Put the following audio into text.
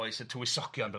Oes y Tywysogion... Ia...